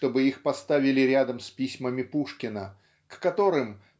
чтобы их поставили рядом с письмами Пушкина к которым